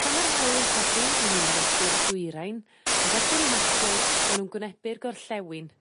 Pan ma'r haul yn codi ma' n'w wynebu'r dwyrain ond erbyn y machlud ma' nw'n gwynebu'r gorllewin.